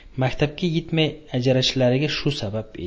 maktabga yetmay ajralishlariga shu sabab edi